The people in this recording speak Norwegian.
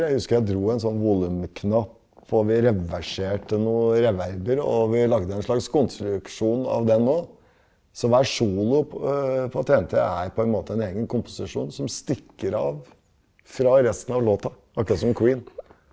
jeg husker jeg dro en sånn volumknapp på vi reverserte noe og vi lagde en slags konstruksjon av den nå, så hver solo på TNT er på en måte en egen komposisjon som stikker av fra resten av låten akkurat som Queen.